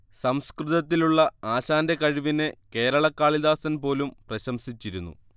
സംസ്കൃതത്തിലുള്ള ആശാന്റെ കഴിവിനെ കേരള കാളിദാസൻ പോലും പ്രശംസിച്ചിരുന്നു